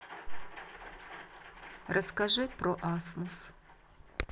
расскажи про асмус